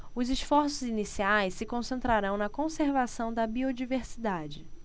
os esforços iniciais se concentrarão na conservação da biodiversidade